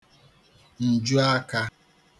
ǹjuakā